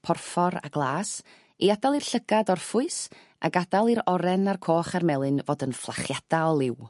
porffor a glas i adal i'r llygad orffwys a gadal i'r oren a'r coch a'r melyn fod yn fflachiada o liw.